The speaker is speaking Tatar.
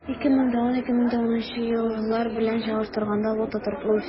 2010-2013 еллар белән чагыштырганда, бу тотрыклы үсеш.